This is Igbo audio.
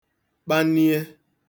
kpanie